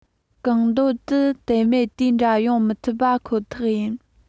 གང འདོད དུ བེད མེད དེ འདྲ ཡོང མི ཐུབ པ ཁོ ཐག ཡིན